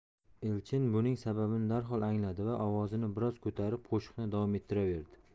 elchin buning sababini darhol angladi da ovozini biroz ko'tarib qo'shiqni davom ettiraverdi